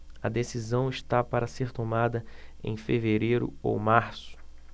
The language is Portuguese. a decisão está para ser tomada em fevereiro ou março